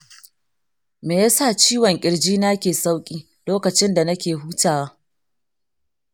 me ya sa ciwon kirjina ke sauƙi lokacin da nake hutawa?